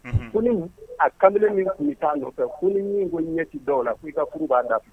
Ko ni nin a kamalen min tun be t'aa nɔfɛ ko ni miin ko i ɲɛ ti da o la k' i ka furu b'a dafɛ